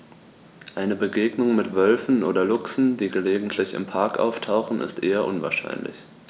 Eine Begegnung mit Wölfen oder Luchsen, die gelegentlich im Park auftauchen, ist eher unwahrscheinlich.